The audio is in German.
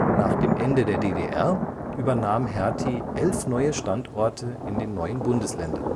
Nach dem Ende der DDR übernahm Hertie elf neue Standorte in den neuen Bundesländern